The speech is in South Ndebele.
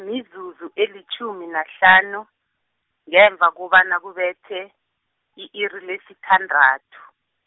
mizuzu elitjhumi nahlanu, ngemva kobana kubethe, i-iri lesithandathu.